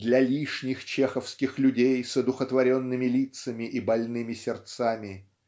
для лишних чеховских людей с одухотворенными лицами и больными сердцами.